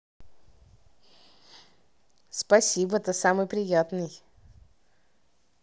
спасибо ты самый приятный